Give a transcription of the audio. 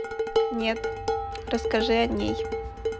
нет расскажи о ней